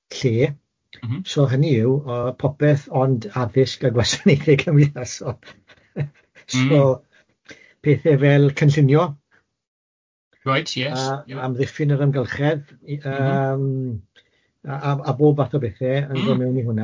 lle... M-hm. ...so hynny yw o popeth ond addysg a gwasanaethau cymdeithasol... Mm. ...so, pethe fel cynllunio... Reit yes. ...a amddiffyn yr amgylchedd... M-hm. ...yy a bob fath o bethe... Mm. ...yn dod mewn i hwnna.